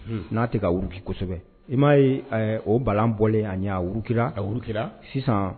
N'a tɛ kauru bi kosɛbɛ i m ma ye o ba bɔlen a'auru kira auru kira sisan